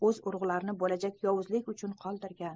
o'z urug'larini bo'lajak yovuzlik uchun qoldirgan